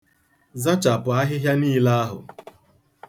Zachapụ ahịhịa niile ahụ.